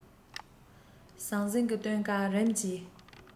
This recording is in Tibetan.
ཟང ཟིང གི སྟོན ཀ རིམ གྱིས